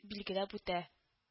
Билгеләп үтә